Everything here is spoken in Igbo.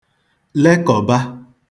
lekọba